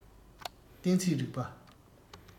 གཏན ཚིགས རིག པ